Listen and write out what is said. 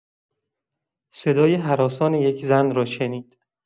صدای هراسان یک زن را شنید.